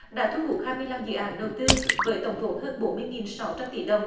đã thu hút hai mươi lăm dự án đầu tư với tổng vốn hơn bốn mươi nghìn sáu trăm tỷ đồng